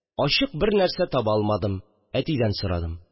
Ачык бернәрсә таба алмадым, әтидән сорадым